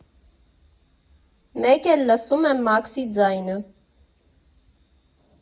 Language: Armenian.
Մեկ էլ լսում եմ Մաքսի ձայնը.